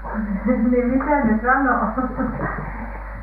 niin mitä ne sanoi